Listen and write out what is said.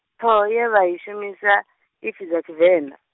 ṱhoho ye vha i shumisa, ipfi dza Tshivenḓa.